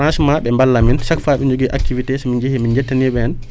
frabchement